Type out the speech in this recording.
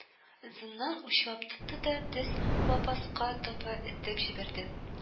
Зыннан учлап тотты да төз лапаска таба этеп җибәрде